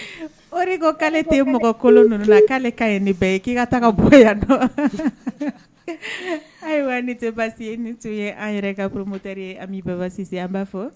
O de ko k'ale tɛ mɔgɔkolon ninnu na k'ale kaɲi ni bɛɛ ye k'i ka taa ka bɔ yan nɔ ayiwa ni tɛ basi ye nin tun ye an yɛrɛ ka promoteur ye Ami Baba Sise an b'a fo